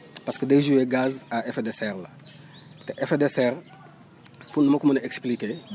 parce que day jouer gaz à effet de serre la te effet de serre pour nu ma ko mun a expliquer